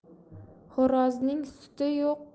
xo'rozning suti yo'q